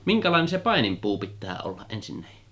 minkälainen se paininpuu pitää olla